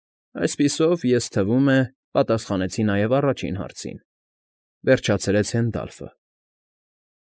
Այսպիսով, ես, թվում է, պատասխանեցի նաև առաջին հարցին,֊ վերջացրեց Հենդալֆը։